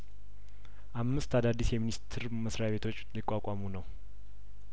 አምስት አዳዲስ የሚኒስትር መስሪያቤቶች ሊቋቋሙ ነው